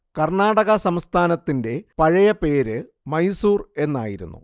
കർണാടക സംസ്ഥാനത്തിന്റെ പഴയ പേര് മൈസൂർ എന്നായിരുന്നു